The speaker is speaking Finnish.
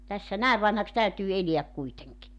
tässä näin vanhaksi täytyy elää kuitenkin